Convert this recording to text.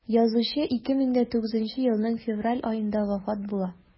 Язучы 2009 елның февраль аенда вафат була.